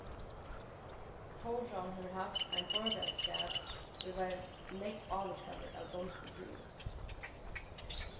tórshavn hevur havt ein borgaraskap ið var nógv ávirkaður av donskum siðum